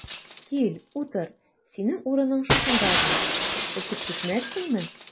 Кил, утыр, синең урының шушында булыр, очып төшмәссеңме?